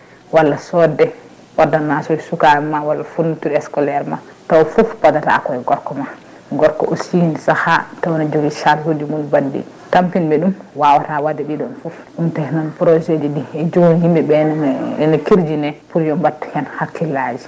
walla sodde ordonnance uji sukaɓe ma walla fourniture scolaire ma tawa foof padata koye gorko ma gorko aussi saaha tawa ne jogui sabunde mum *btampinde ɗum wawata wadde ɗiɗon foof ɗum tahi noon projet ji ɗi joni yimɓeɓe ene ene kerjine pour yo mbattu hen hakkillaji